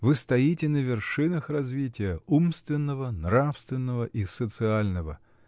Вы стоите на вершинах развития, умственного, нравственного и социального!